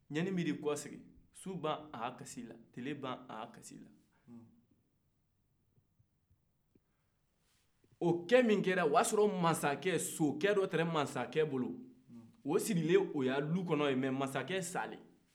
ɲani y'i kosegin su bɛ a bɛ kasi la tile bɛ a bɛ kasi la o kɛ mun kɛra o y'a sɔrɔmansacɛ socɛ do tun bɛ mansacɛ bolo o sirilen o k'a du y'en mɛ mansacɛ sara